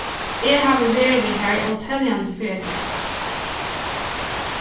eg havi verið har óteljandi ferðir